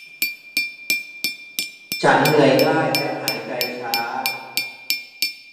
ฉันเหนื่อยง่ายและหายใจช้า